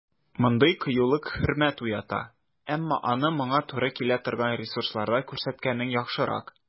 Мондый кыюлык хөрмәт уята, әмма аны моңа туры килә торган ресурсларда күрсәткәнең яхшырак.